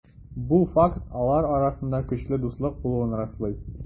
Бу факт алар арасында көчле дуслык булуын раслый.